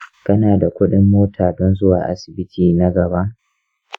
kana da kuɗin mota don zuwa asibiti na gaba?